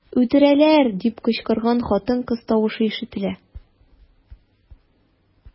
"үтерәләр” дип кычкырган хатын-кыз тавышы ишетелә.